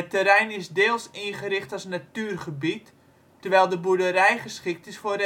terrein is deels ingericht als natuurgebied, terwijl de boerderij geschikt is voor